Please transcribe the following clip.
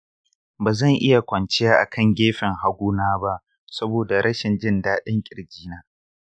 bazan iya kwanciya akan gefen hagu na ba saboda rashin jin daɗin ƙirji na.